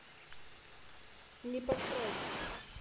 не посрать